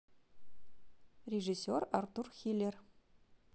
режиссер артур хиллер